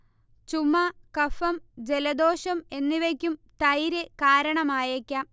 ചുമ, കഫം, ജലദോഷം എന്നിവയ്ക്കും തൈര് കാരണമായേക്കാം